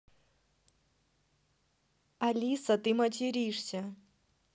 алиса ты материшься